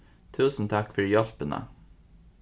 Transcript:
túsund takk fyri hjálpina